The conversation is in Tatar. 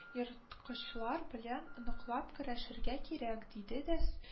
Ерткычлар белән ныклап көрәшергә кирәк, — диде дә